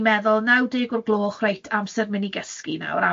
i'n meddwl, naw, deg o'r gloch, reit, amser mynd i gysgu nawr,